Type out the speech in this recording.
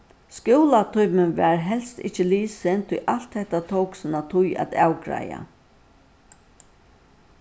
skúlatímin varð helst ikki lisin tí alt hetta tók sína tíð at avgreiða